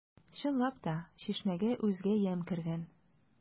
Чынлап та, чишмәгә үзгә ямь кергән.